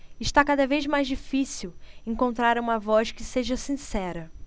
está cada vez mais difícil encontrar uma voz que seja sincera